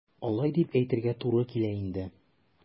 Алай дип әйтергә туры килә инде.